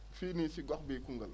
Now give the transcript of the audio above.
fii nii si gox bii Koungheul